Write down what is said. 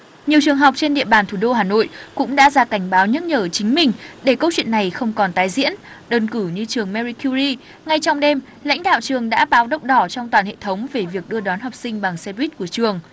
nhiều trường học trên địa bàn thủ đô hà nội cũng đã ra cảnh báo nhắc nhở chính mình để câu chuyện này không còn tái diễn đơn cử như trường me ri khiu ri ngay trong đêm lãnh đạo trường đã báo động đỏ trong toàn hệ thống về việc đưa đón học sinh bằng xe buýt của trường